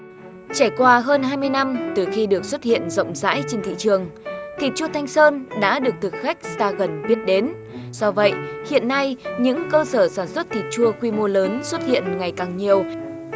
trải qua hơn hai mươi năm từ khi được xuất hiện rộng rãi trên thị trường thịt chua thanh sơn đã được thực khách xa gần biết đến do vậy hiện nay những cơ sở sản xuất thịt chua quy mô lớn xuất hiện ngày càng nhiều